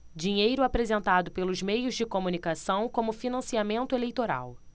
dinheiro apresentado pelos meios de comunicação como financiamento eleitoral